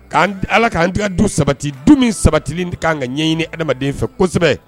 K' ala k'antigɛ du sabati du min sabatilen de ka kan ka ɲɛɲɲini adamadamaden fɛ kosɛbɛ